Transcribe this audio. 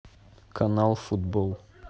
канал футбол